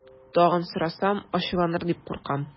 Тагын сорасам, ачуланыр дип куркам.